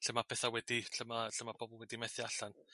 lle ma' petha' wedi lle ma' lle ma' pobol wedi methu allan